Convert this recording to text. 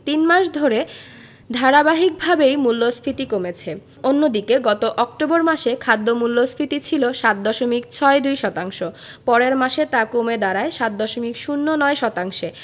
তিন মাস ধরে ধারাবাহিকভাবেই মূল্যস্ফীতি কমেছে অন্যদিকে গত অক্টোবর মাসে খাদ্য মূল্যস্ফীতি ছিল ৭ দশমিক ৬২ শতাংশ পরের মাসে তা কমে দাঁড়ায় ৭ দশমিক ০৯ শতাংশে